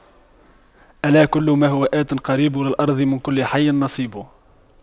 ألا كل ما هو آت قريب وللأرض من كل حي نصيب